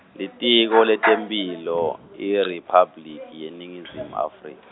Litiko leTemphilo IRiphabliki yeNingizimu Afri- .